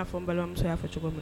N' fɔ n balimamuso y'a fɔ cogo min